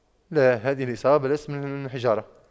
لا هذه الإصابة ليست من حجارة